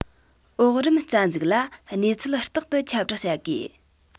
འོག རིམ རྩ འཛུགས ལ གནས ཚུལ རྟག ཏུ ཁྱབ བསྒྲགས བྱ དགོས